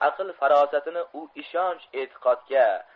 aql farosatini u ishonch etiqodga